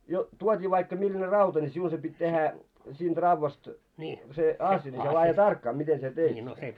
jo tuotiin vaikka millainen rauta niin sinun se piti tehdä siitä raudasta se asia mikä laadi tarkkaa miten sinä teit sen